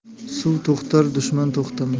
suv to'xtar dushman to'xtamas